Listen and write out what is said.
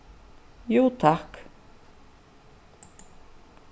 jú takk